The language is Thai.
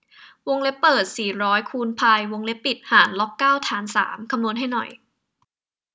วงเล็บเปิดสี่ร้อยคูณพายวงเล็บปิดหารล็อกเก้าฐานสามคำนวณให้หน่อย